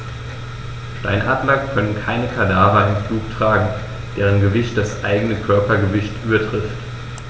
Steinadler können keine Kadaver im Flug tragen, deren Gewicht das eigene Körpergewicht übertrifft.